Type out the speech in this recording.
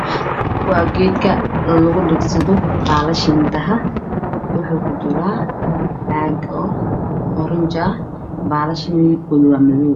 Waa geedka lugu dhagsado baalasha indhaha waxuu kujiraa caag oranji ah, baalasha midabkoodu waa madow.